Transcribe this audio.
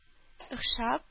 Охшап